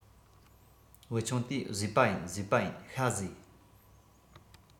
བུ ཆུང དེས བཟས པ ཡིན བཟས པ ཡིན ཤ བཟས